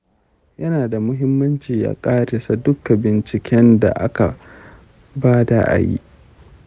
yana da muhimmanci a ƙarisa duka binciken da aka bada ayi.